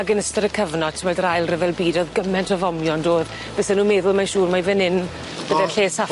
Ag yn ystod y cyfnod t'mod yr ail ryfel byd o'dd gyment o fomio yndodd bysa nw'n meddwl mae'n siŵr mai fyn 'yn byde'r lle saffa.